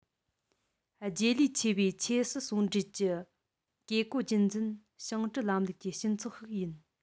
རྗེས ལུས ཆེ བའི ཆོས སྲིད ཟུང འབྲེལ གྱི བཀས བཀོད རྒྱུད འཛིན ཞིང བྲན ལམ ལུགས ཀྱི སྤྱི ཚོགས ཤིག ཡིན